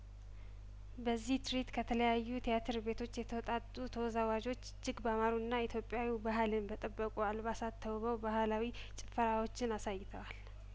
በዚህ ትርኢት ከተለያዩ ትያትር ቤቶች የተውጣጡ ተወዛዋዦች እጅግ ባማሩና ኢትዮጵያዊው ባህልን በጠበቁ አልባሳት ተውበው ባህላዊ ጭፈራዎችን አሳይተዋል